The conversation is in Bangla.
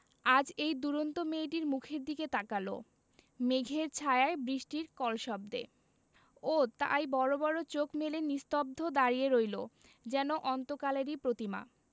আজ এই দুরন্ত মেয়েটির মুখের দিকে তাকাল মেঘের ছায়ায় বৃষ্টির কলশব্দে ও তাই বড় বড় চোখ মেলে নিস্তব্ধ দাঁড়িয়ে রইল যেন অন্তকালেরই প্রতিমা